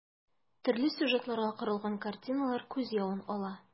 Төрле сюжетларга корылган картиналар күз явын ала.